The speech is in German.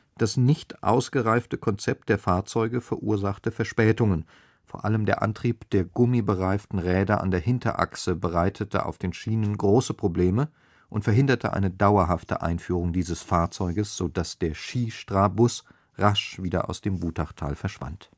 Das nicht ausgereifte Konzept der Fahrzeuge verursachte Verspätungen; vor allem der Antrieb der gummibereiften Räder an der Hinterachse bereitete auf den Schienen große Probleme und verhinderte eine dauerhafte Einführung dieses Fahrzeuges, so dass der „ Schi-Stra-Bus “rasch wieder aus dem Wutachtal verschwand